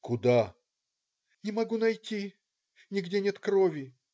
"Куда?" - "Не могу найти - нигде нет крови".